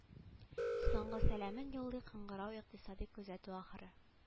Соңгы сәламен юллый кыңгырау икътисади күзәтү ахыры